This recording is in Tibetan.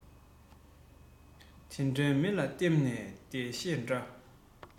ཚོད ལ སེམས ཀྱི བཀོད པ མེད དང གཉིས